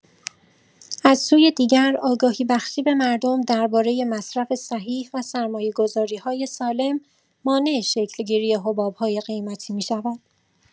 از سوی دیگر آگاهی‌بخشی به مردم درباره مصرف صحیح و سرمایه‌گذاری‌های سالم، مانع شکل‌گیری حباب‌های قیمتی می‌شود.